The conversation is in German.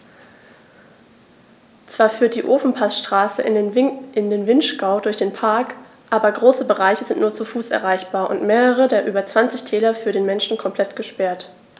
Zwar führt die Ofenpassstraße in den Vinschgau durch den Park, aber große Bereiche sind nur zu Fuß erreichbar und mehrere der über 20 Täler für den Menschen komplett gesperrt.